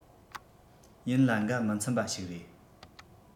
ཡིན ལ འགའ མི འཚམ པ ཞིག རེད